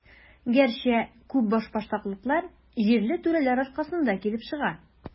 Гәрчә, күп башбаштаклыклар җирле түрәләр аркасында килеп чыга.